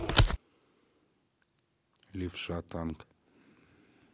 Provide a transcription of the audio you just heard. левша танк